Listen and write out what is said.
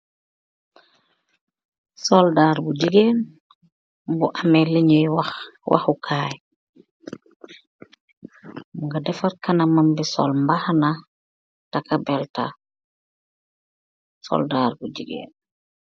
Soldaar bu jigeen bu ame liñuy waxukaay, minge defar kana mam ngi sol mbaax taka belta soldaar bu jigeen